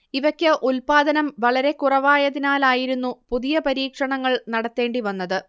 ഇവക്ക് ഉൽപാദനം വളരെക്കുറവായതിനാലായിരുന്നു പുതിയ പരീക്ഷണങ്ങൾ നടത്തേണ്ടി വന്നത്